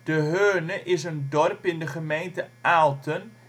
Heurne is een dorp in de gemeente Aalten